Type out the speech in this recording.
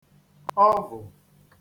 ọvù